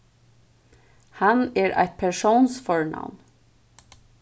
hann er eitt persónsfornavn